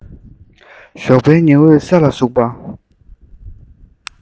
ཞོགས པའི ཉི འོད ས ལ ཟུག པ